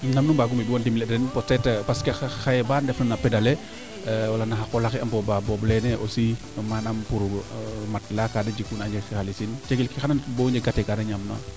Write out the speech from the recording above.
nam nu mbaagu mbi teen bo ndimele teen peut etre xaye ba ndef na no pedale wala naxa qola xe a boɓa boob leene aussi manam pour matelas kaa de njikuna a njeg xalis iin cegel ke xan ta ndet boo njeng kate kaate ñaam na